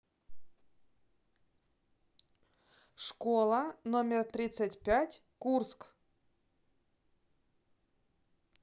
школа номер тридцать пять курск